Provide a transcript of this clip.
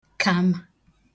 kāmā